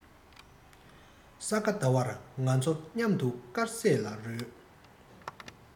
ས ག ཟླ བར ང ཚོ མཉམ དུ དཀར ཟས ལ རོལ